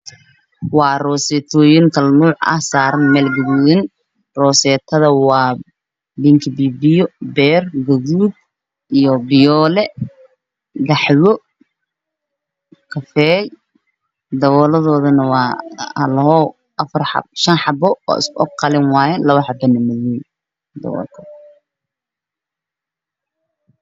Waa rooseytooyin kala nuuc ah saaran meel gaduudan, midabkoodu waa bingi, beer, buluug iyo fiyool, qaxwi iyo kafay, dabooladuna waa shan xabo waaye seddex waa qalin, labo waa madow.